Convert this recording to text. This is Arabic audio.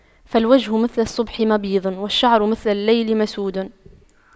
فالوجه مثل الصبح مبيض والشعر مثل الليل مسود